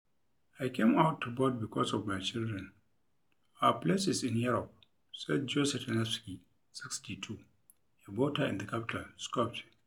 "I came out to vote because of my children, our place is in Europe," said Gjose Tanevski, 62, a voter in the capital, Skopje.